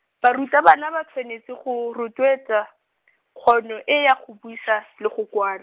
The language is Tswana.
Barutabana ba tshwanetse go rotloetsa, kgono e ya go buisa le go kwala.